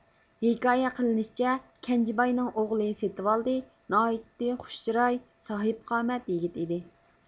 ھېكايەت قىلىنىشىچە كەنجىباينىڭ ئوغلى سېتىۋالدى ناھايىتى خۇش چىراي ساھىبقامەت يىگىت ئىدى